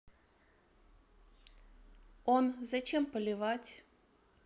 он зачем поливать